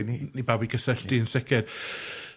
ni bawb i gysylltu yn sicir.